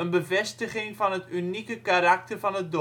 bevestiging van het unieke karakter van het